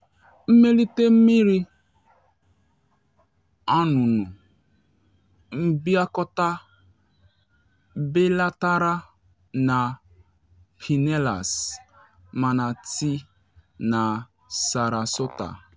Mmelite Mmiri Anụnụ: Mbịakọta belatara na Pinellas, Manatee na Sarasota